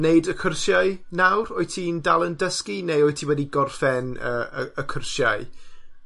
neud y cwrsiau nawr? Wyt ti' dal yn dysgu neu wyt ti wedi gorffen y y y cwrsiau